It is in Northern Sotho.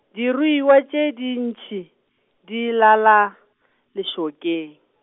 diruiwa tše di ntšhi, di lala, lešokeng.